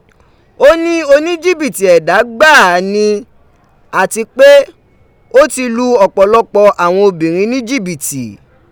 O ni onijibiti ẹda gbaa ni ati pe o ti lu ọpọlọpọ awọn obinrin ni jibiti.